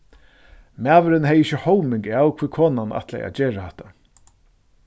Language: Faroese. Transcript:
maðurin hevði ikki hóming av hví konan ætlaði at gera hatta